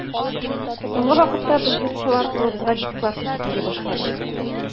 Соңгы вакытта без, җырчылар, кулыбызга дисклар тотып йөри башладык.